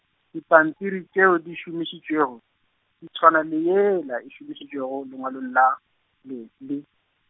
dipampiri tšeo di šomišitšwego, di tšhwana le yela e šomišitšwego lengwalong la, Leslie.